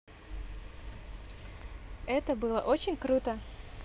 это было очень круто